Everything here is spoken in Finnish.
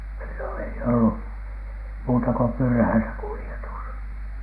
silloin ei ollut muuta kuin pyräissä kuljetus